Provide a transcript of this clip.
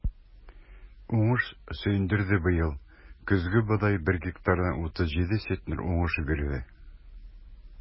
Уңыш сөендерде быел: көзге бодайның уңышлылыгы бер гектардан 37 центнер булды.